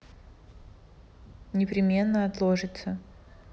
непременно отложится